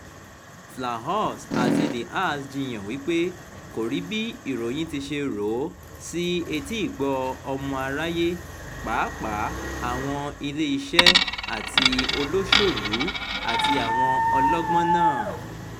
Flahaux àti De Haas jiyàn wípé kò rí bí ìròyín ti ṣe rò ó sí etígbọ̀ọ́ ọmọ aráyé pàápàá "àwọn ilé iṣẹ́ àti olóṣòlú" àti àwọn ọlọ́gbọ́n náà.